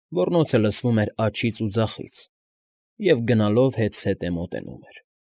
Ոռնոցը լսվում էր աջից ու ձախից և գնալով հետզհետե մոտենում էր։